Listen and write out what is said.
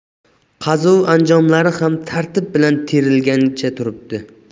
qazuv anjomlari ham tartib bilan terilgancha turibdi